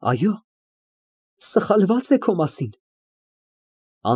Այո՞, սխալվա՞ծ է քո մասին։